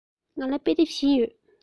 ང ལ དཔེ དེབ བཞི ཡོད